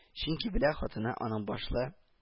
Чөнки белә, хатыны аның башлы